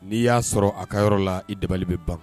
N'i y'a sɔrɔ a ka yɔrɔ la i dabali bɛ ban